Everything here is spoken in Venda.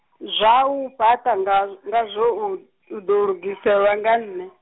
zwau fhaṱa nga ngazwo u, u ḓo lugiselwa nga nṋe.